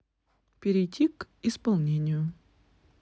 перейти к исполнителю